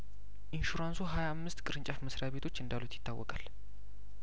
ኢንሹ ራንሱ ሀያአምስት ቅርንጫፍ መስሪያቤቶች እንዳሉት ይታወቃል